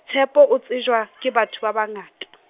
Tshepo o tsejwa , ke batho ba banga- .